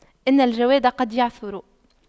إن الجواد قد يعثر